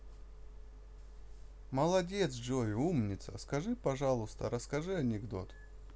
молодец джой умница скажи пожалуйста расскажи анекдот